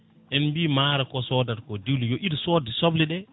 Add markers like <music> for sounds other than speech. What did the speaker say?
en mbi maaro ko sodata ko ko <unintelligible> yo ido sodde sobleɗe